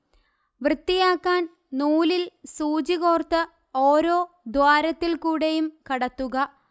വൃത്തിയാക്കാൻനൂലിൽ സൂചി കോർത്ത് ഓരോ ദ്വാരത്തിൽ കൂടെയും കടത്തുക